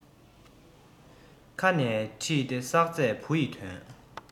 ཁ ནས ཕྲིས ཏེ བསགས ཚད བུ ཡི དོན